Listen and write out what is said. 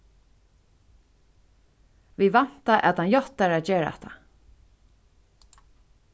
vit vænta at hann játtar at gera hatta